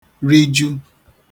riju